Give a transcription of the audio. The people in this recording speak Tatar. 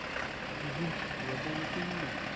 Зюзюнчик, ярдәм итимме?